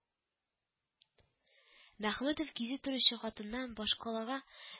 Мәхмүтов кизү торучы хатыннан башкалага